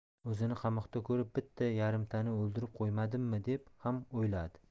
o'zini qamoqda ko'rib bitta yarimtani o'ldirib qo'ymadimmi deb ham o'yladi